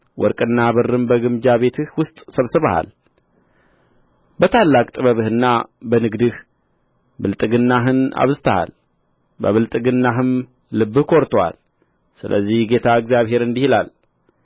ወርቅና ብርም በግምጃ ቤትህ ውስጥ ሰብስበሃል በታላቅ ጥበብህና በንግድህ ብልጥግናህን አብዝተሃል በብልጥግናህም ልብህ ኰርቶአል ስለዚህ ጌታ እግዚአብሔር እንዲህ ይላል